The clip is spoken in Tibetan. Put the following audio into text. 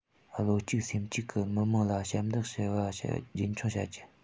བློ གཅིག སེམས གཅིག གི མི དམངས ལ ཞབས འདེགས ཞུ བ རྒྱུན འཁྱོངས བྱ རྒྱུ